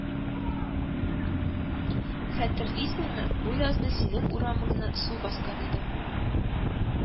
Хәтерлисеңме, бу язны синең урамыңны су баскан иде